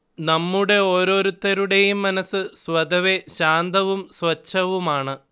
നമ്മുടെ ഓരോരുത്തരുടെയും മനസ്സ് സ്വതവേ ശാന്തവും സ്വഛവുമാണ്